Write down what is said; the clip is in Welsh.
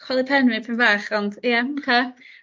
chwalu pen fi ipyn fach ond ie oce.